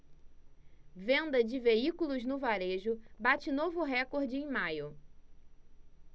venda de veículos no varejo bate novo recorde em maio